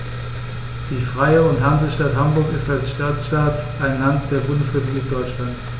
Die Freie und Hansestadt Hamburg ist als Stadtstaat ein Land der Bundesrepublik Deutschland.